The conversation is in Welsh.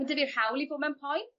ma' 'dy fi'r hawl i bo' mewn poen